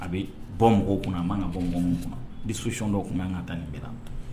A bɛ bɔ mɔgɔw kun a ma kan ka bɔ mɔgɔ kun bi susiy dɔ kun yanan ka taa nin bi